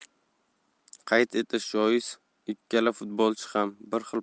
qayd etish joiz ikkala futbolchi ham bir